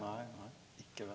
nei nei ikkje det.